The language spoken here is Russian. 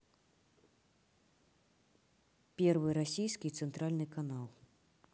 первый российский центральный канал